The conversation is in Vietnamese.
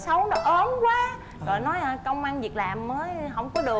xấu nó ốm quá rồi nói công ăn việc làm mới hổng có được